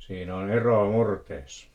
siinä on eroa murteessa